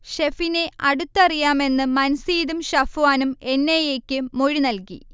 ഷെഫിനെ അടുത്തറിയാമെന്ന് മൻസീദും ഷഫ്വാനും എൻ. ഐ. എ. യ്ക്ക് മൊഴി നൽകി